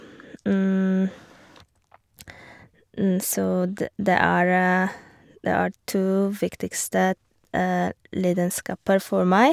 Så de det er det er to viktigste lidenskaper for meg.